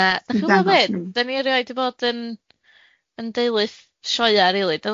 Na, 'da chi'n gwbo be, 'dan ni erioed di bod yn yn deulu sioea rili.